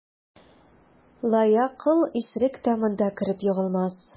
Лаякыл исерек тә монда кереп егылмас.